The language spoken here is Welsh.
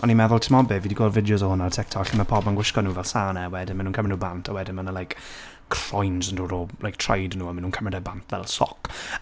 On i'n meddwl, timod be, fi 'di gweld fideos o hwn ar TikTok lle ma' pobl yn gwisgo nhw fel sannau, wedyn maen nhw'n cymryd nhw bant, a wedyn ma' 'na, like, croens yn dod o, like, traed nhw, a maen nhw'n cymryd e bant, fel sock.